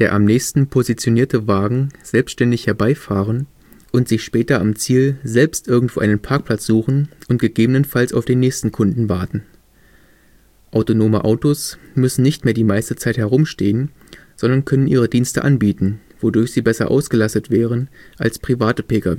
der am nächsten positionierte Wagen selbständig herbeifahren und sich später am Ziel selbst irgendwo einen Parkplatz suchen und gegebenenfalls auf den nächsten Kunden warten. Autonome Autos müssen nicht mehr die meiste Zeit herumstehen, sondern können „ ihre Dienste anbieten “, wodurch sie besser ausgelastet wären als private Pkw.